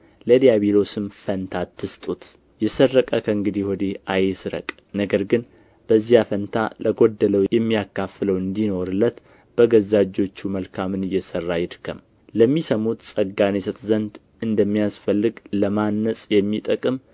ለዲያብሎስም ፈንታ አትስጡት የሰረቀ ከእንግዲህ ወዲህ አይስረቅ ነገር ግን በዚያ ፈንታ ለጎደለው የሚያካፍለው እንዲኖርለት በገዛ እጆቹ መልካምን እየሠራ ይድከም ለሚሰሙት ጸጋን ይሰጥ ዘንድ እንደሚያስፈልግ ለማነጽ የሚጠቅም